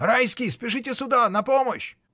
Райский, спешите сюда, на помощь!